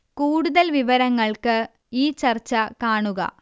കൂടുതൽ വിവരങ്ങൾക്ക് ഈ ചർച്ച കാണുക